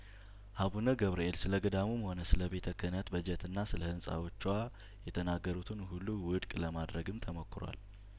አቡነ ገብርኤል ስለገዳሙም ሆነ ስለቤተ ክህነት በጀትና ስለህንጻዎቿ የተናገሩትን ሁሉ ውድቅ ለማድረግም ተሞክሯል